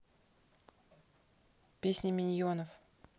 песни миньонов